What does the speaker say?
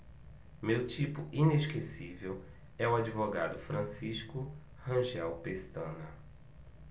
meu tipo inesquecível é o advogado francisco rangel pestana